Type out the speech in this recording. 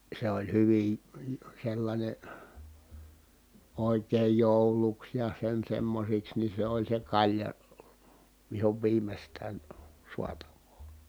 se oli hyvin sellainen oikein jouluksi ja sen semmoisiksi niin se oli se kalja vihon viimeistään saatavaa